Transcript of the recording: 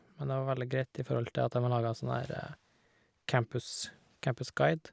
Men det var veldig greit i forhold til at dem har laga sånn herre campus campusguide.